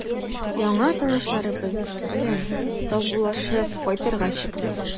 Яңа танышларыбыз белән саубуллашып, кайтырга чыктык.